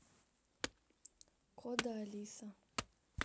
кода алиса